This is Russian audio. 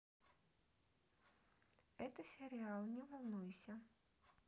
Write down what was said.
это сериал не волнуйся